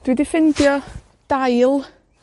dwi 'di ffindio dail